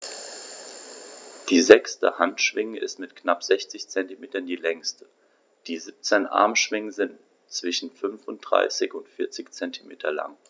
Die sechste Handschwinge ist mit knapp 60 cm die längste. Die 17 Armschwingen sind zwischen 35 und 40 cm lang.